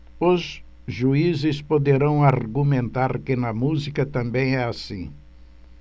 os juízes poderão argumentar que na música também é assim